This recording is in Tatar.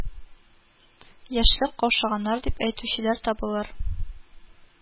Яшьлек, каушаганнар дип әйтүчеләр табылыр